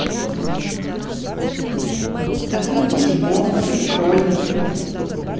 а ты ничего прикольный